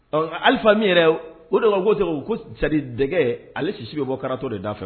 Ɔ alifa mi yɛrɛ o de ko ko dɛgɛ ale si sigi bɔ karatatɔ de da fɛ